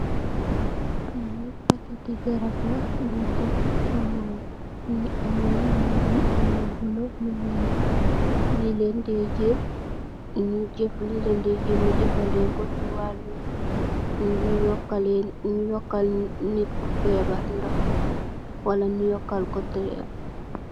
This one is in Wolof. Lii packeti garab la bungh tek fu njull, mungy ameh lu, lu bleu lu wekh, lii len dae jel nju jeuf lii len dae jel nju jeufandehkor cii waaloum nju yohkaleh nju yokal nitt ku febarr ndoh wala nju yokal kor dehret.